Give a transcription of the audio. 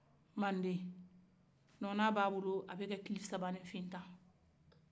maden nɔna bɛ a bolo a bɛ ka kilisaba nin fɛn tan